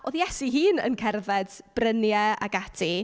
Oedd Iesu ei hun yn cerdded bryniau ac ati.